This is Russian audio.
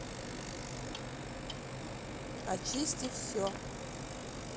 очисти все